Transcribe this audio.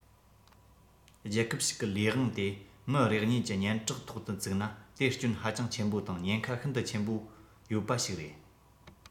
རྒྱལ ཁབ ཞིག གི ལས དབང དེ མི རེ གཉིས ཀྱི སྙན གྲགས ཐོག ཏུ བཙུགས ན དེ སྐྱོན ཧ ཅང ཆེན པོ དང ཉེན ཁ ཤིན ཏུ ཆེན པོ ཡོད པ ཞིག རེད